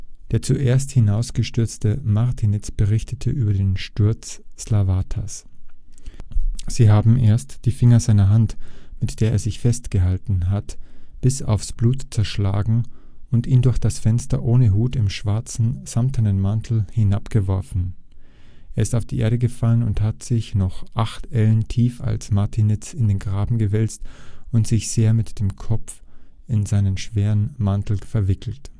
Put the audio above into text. Der zuerst hinausgestürzte Martinitz berichtet über den Sturz Slavatas: Sie haben erst die Finger seiner Hand, mit der er sich festgehalten hat, bis aufs Blut zerschlagen und ihn durch das Fenster ohne Hut, im schwarzen samtenen Mantel hinab geworfen. Er ist auf die Erde gefallen, hat sich noch 8 Ellen tiefer als Martinitz in den Graben gewälzt und sich sehr mit dem Kopf in seinen schweren Mantel verwickelt